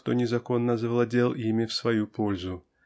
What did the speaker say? кто незаконно завладел ими в свою пользу.